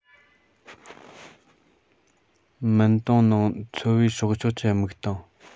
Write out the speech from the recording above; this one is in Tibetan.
མུན དོང ནང འཚོ བའི སྲོག ཆགས ཀྱི མིག དང